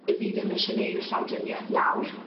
'yf fi ddim isie neud y llawdrinieth nawr